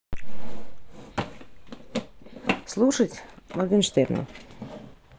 слушать моргенштерна